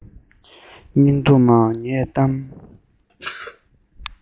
སྙིང སྡུག མ ངས གཏམ